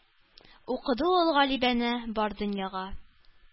Укыды ул галибанә бар дөньяга.